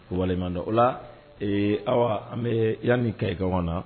Kobalidɔ o la ee aw an bɛ yan ni kɛ ɲɔgɔn na